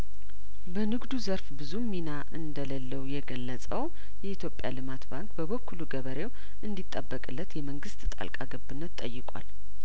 በንግዱ ዘርፍ ብዙም ሚና እንደሌለው የገለጸው የኢትዮጵያ ልማት ባንክ በበኩሉ ገበሬው እንዲጠበቅለት የመንግስት ጣልቃ ገብነት ጠይቋል